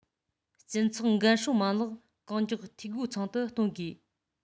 སྤྱི ཚོགས འགན སྲུང མ ལག གང མགྱོགས འཐུས སྒོ ཚང དུ གཏོང དགོས